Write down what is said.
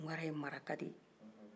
tunkaraw ye maraka de ye